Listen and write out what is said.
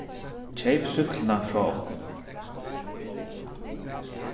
keyp súkkluna frá okkum